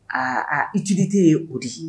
Aa a utilité o de ye